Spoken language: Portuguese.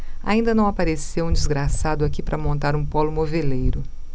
ainda não apareceu um desgraçado aqui para montar um pólo moveleiro